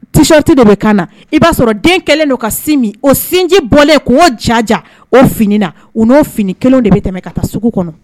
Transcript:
T-shirt de bɛ kan na i b'a sɔrɔ den kɛlen don ka sin min o sinji bɔlen k''o jaja o fini na u n'o fini kelenw de bɛ tɛmɛ ka taa sugu kɔnɔ